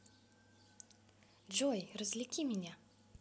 джой развлеки меня